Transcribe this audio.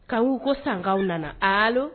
' ko sankaw nana ala